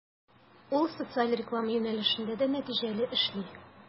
Ул социаль реклама юнәлешендә дә нәтиҗәле эшли.